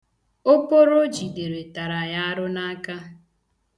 Oporo o jidere tara ya arụ n'aka.